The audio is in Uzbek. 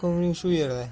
ko'ngling shu yerda